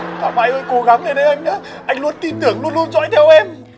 thảo mai ơi cố gắng lên em nhá anh luôn tin tưởng luôn luôn dõi theo em